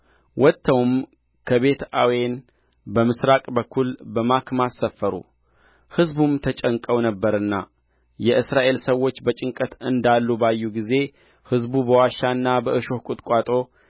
ወጥተውም ከቤትአዌን በምሥራቅ በኩል በማክማስ ሰፈሩ ሕዝቡም ተጨንቀው ነበርና የእስራኤል ሰዎች በጭንቀት እንዳሉ ባዩ ጊዜ ሕዝቡ በዋሻና በእሾህ ቍጥቋጦ